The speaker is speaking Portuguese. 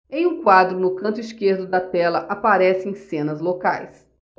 em um quadro no canto esquerdo da tela aparecem cenas locais